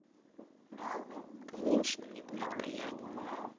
конечно мне будет приятно